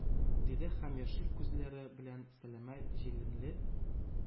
Диде һәм яшел күзләре белән сәләмә җиләнле